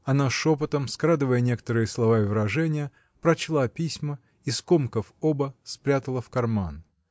Она, шепотом, скрадывая некоторые слова и выражения, прочла письма и, скомкав оба, спрятала в карман.